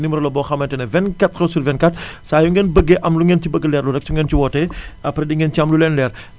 numéro la boo xamante ni vingt quatre heures sur vingt quatre saa yu ngeen bëggee am lu ngeen ci bëgg a leerlu rekk su ngeen ci wootee après di ngeen ci am lu leen leer